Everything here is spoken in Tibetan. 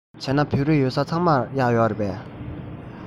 བྱས ན བོད རིགས ཡོད ས ཚང མར གཡག ཡོད རེད པས